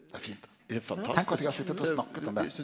det er fint altså, tenk at dei har sete og snakka om det.